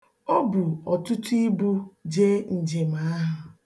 O bu ọtụtụ ibu jee njem ahụ.